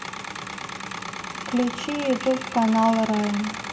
включить ютуб канал райм